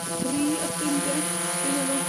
tri o ffrindia, dwi'n meddwl.